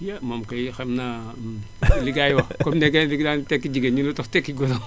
hee moom kay xam naa moom li gaayi yi wax comme ne gars yi naan tekki jigéen ñi lu tax tekki góor amul